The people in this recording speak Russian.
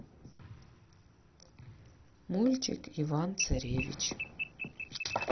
мультик иван царевич